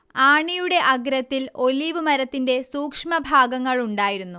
ആണിയുടെ അഗ്രത്തിൽ ഒലീവ് മരത്തിന്റെ സൂക്ഷ്മഭാഗങ്ങളുണ്ടായിരുന്നു